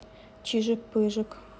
чижик пыжик